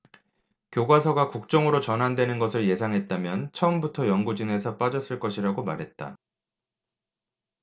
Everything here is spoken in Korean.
교과서가 국정으로 전환되는 것을 예상했다면 처음부터 연구진에서 빠졌을 것이라고 말했다